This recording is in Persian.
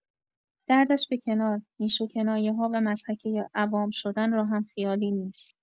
دردش به کنار، نیش و کنایه‌ها و مضحکۀ عوام شدن را هم خیالی نیست.